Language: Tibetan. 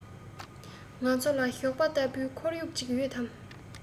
ང ཚོ ལ ཞོགས པ ལྟ བུའི ཁོར ཡུག ཅིག ཡོད དམ